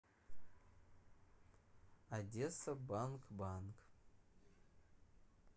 одесса банк банк